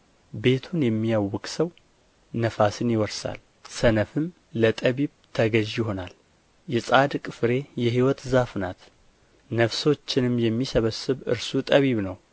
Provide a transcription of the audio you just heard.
ቤቱን የሚያውክ ሰው ነፋስን ይወርሳል ሰነፍም ለጠቢብ ተገዥ ይሆናል የጻድቅ ፍሬ የሕይወት ዛፍ ናት ነፍሶችንም የሚሰበስብ እርሱ ጠቢብ ነው